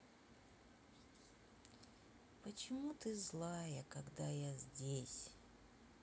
почему ты злая когда я здесь